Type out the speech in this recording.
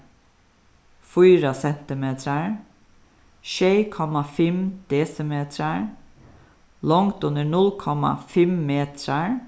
fýra sentimetrar sjey komma fimm desimetrar longdin er null komma fimm metrar